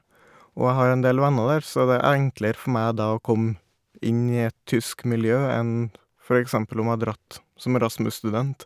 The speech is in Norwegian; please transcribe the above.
Og jeg har en del venner der, så det er enklere for meg da å komme inn i et tysk miljø enn for eksempel om jeg hadde dratt som Erasmus-student.